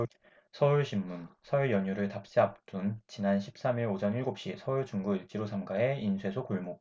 서울신문 설 연휴를 닷새 앞둔 지난 십 삼 일 오전 일곱 시 서울 중구 을지로 삼 가의 인쇄소 골목